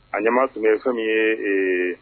A ɲɛmaa tun fɛn min ye ee